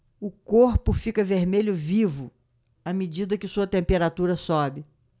o corpo fica vermelho vivo à medida que sua temperatura sobe